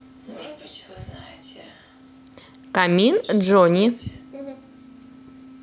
камин jony